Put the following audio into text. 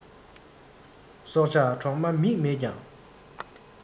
སྲོག ཆགས གྲོག མ མིག མེད ཀྱང